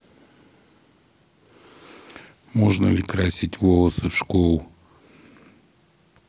можно ли красить волосы в школу